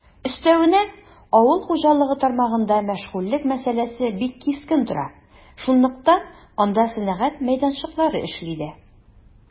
Өстәвенә, авыл хуҗалыгы тармагында мәшгульлек мәсьәләсе бик кискен тора, шунлыктан анда сәнәгать мәйданчыклары эшли дә.